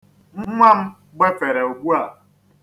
Nwam gbafere ugbua.